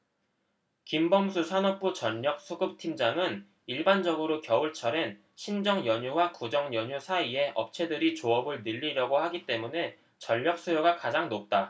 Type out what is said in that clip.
김범수 산업부 전력수급팀장은 일반적으로 겨울철엔 신정연휴와 구정연휴 사이에 업체들이 조업을 늘리려고 하기 때문에 전력수요가 가장 높다